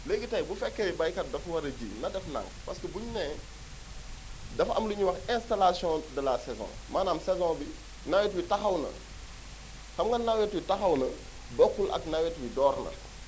léegi tey bu fekkee baykat dafa war a ji na def ndànk parce que bu ñu nee dafa am lu ñuy wax installation de la saison maanaam saison bi nawet bi taxaw na xam nga nawet bi taxaw na bokkul ak nawet wi door na